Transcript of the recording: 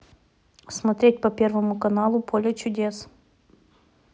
смотреть по первому каналу поле чудес